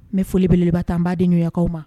Mɛ folibeleba tan n baa n nɔgɔyakaw ma